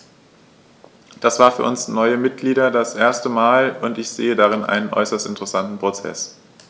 Das war für uns neue Mitglieder das erste Mal, und ich sehe darin einen äußerst interessanten Prozess.